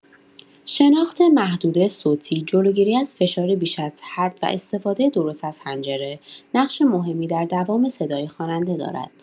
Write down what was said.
شناخت محدوده صوتی، جلوگیری از فشار بیش از حد و استفاده درست از حنجره، نقش مهمی در دوام صدای خواننده دارد.